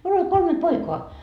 minulla oli kolme poikaa